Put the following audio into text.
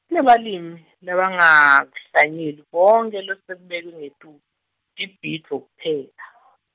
Kunebalimi, labangakuhlanyeli konkhe losekubalwe ngetulu, tibhidvo kuphela.